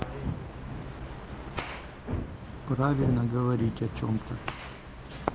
правильно говорить о чем то